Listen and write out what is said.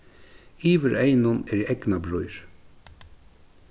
yvir eygunum eru eygnabrýr